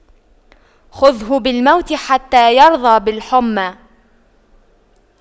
خُذْهُ بالموت حتى يرضى بالحُمَّى